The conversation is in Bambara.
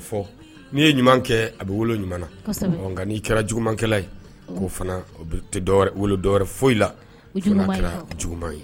Fɔ n'i ye ɲuman kɛ a bɛ wolo ɲuman na nka n'i kɛra jugumankɛla ye k'o fana o wolo dɔwɛrɛ foyi la fo n'a kɛra juguman ye